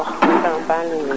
kama pana le Ndoundox